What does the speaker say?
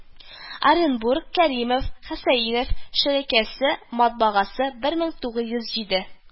Оренбург: Кәримев, Хөсәенов шөрәкясе матбагасы, бер мең тугыз йөз җиде